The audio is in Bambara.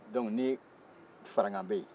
dɔnku ni farankan bɛ yen